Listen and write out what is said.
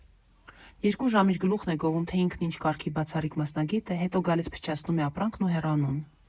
Երկու ժամ իր գլուխն է գովում, թե ինքն ինչ կարգի բացառիկ մասնագետ է, հետո՝ գալիս փչացնում է ապրանքն ու հեռանում։